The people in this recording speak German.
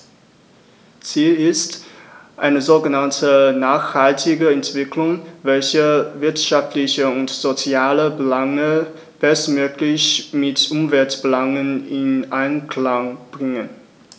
Ziel ist eine sogenannte nachhaltige Entwicklung, welche wirtschaftliche und soziale Belange bestmöglich mit Umweltbelangen in Einklang bringt.